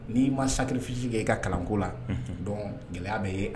N'i ma salifisi kɛ' ka kalanko la dɔn gɛlɛya bɛ yen